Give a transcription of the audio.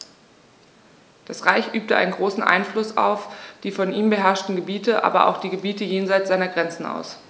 Das Reich übte einen großen Einfluss auf die von ihm beherrschten Gebiete, aber auch auf die Gebiete jenseits seiner Grenzen aus.